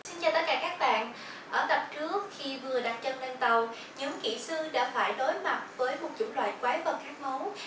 xin chào tất cả các bạn ở tập trước khi vừa đặt chân lên tàu nhóm kỹ sư đã phải đối mặt với một chủng loại quái vật khát máu